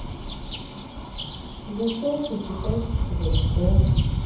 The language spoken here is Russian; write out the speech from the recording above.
засолка китайских огурцов